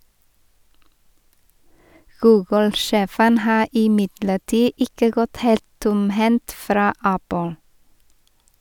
Google-sjefen har imidlertid ikke gått helt tomhendt fra Apple.